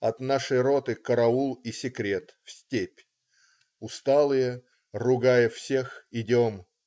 От нашей роты караул и секрет в степь. Усталые, ругая всех, идем.